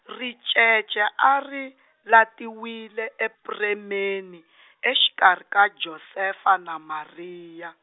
ricece a ri latiwile epremeni , exikarhi ka Josefa na Maria.